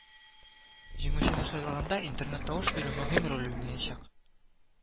Җиңүчене сайлаганда интернет-тавыш бирү мөһим роль уйнаячак